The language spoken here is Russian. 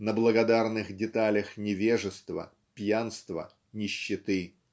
на благодарных деталях невежества пьянства нищеты.